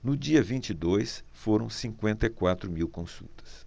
no dia vinte e dois foram cinquenta e quatro mil consultas